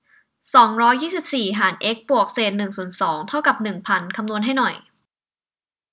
สองร้อยยี่สิบสี่หารเอ็กซ์บวกเศษหนึ่งส่วนสองเท่ากับหนึ่งพันคำนวณให้หน่อย